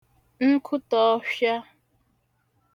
nkụtā ọ̄fhịā